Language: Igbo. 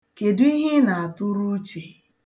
Kedụ ihe ị na-atụrụ uche?